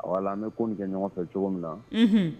An bɛ ko kɛ ɲɔgɔn fɛ cogo min na